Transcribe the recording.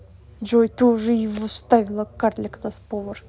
джой ты мне уже его ставила карлик нос повар